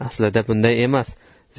aslida bunday emas